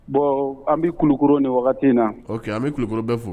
Bɔn an bɛ kulukoro ni wagati in na an bɛ kulukoro bɛ fo